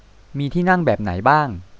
มีที่นั่งแบบไหนบ้าง